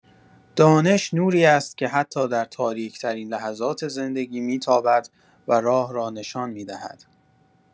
دانش نوری است که حتی در تاریک‌ترین لحظات زندگی می‌تابد و راه را نشان می‌دهد.